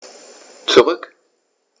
Zurück.